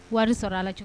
Wari sɔrɔ a la cogo